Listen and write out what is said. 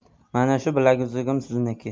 mana shu bilaguzugim sizniki